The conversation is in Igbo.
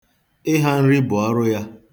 Ịha nri bụ ọrụ ya.